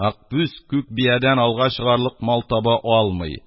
Акбүз күк биядән алга чыгарлык мал таба алмый